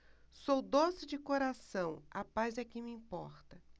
sou doce de coração a paz é que me importa